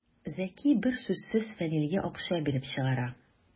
Зәки бер сүзсез Фәнилгә акча биреп чыгара.